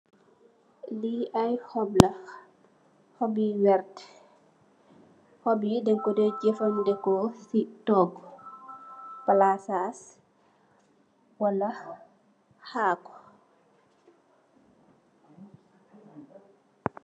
Le ai hopla hop yu verter hop yeh dengo tey gefandeko si toger palasas wala hako.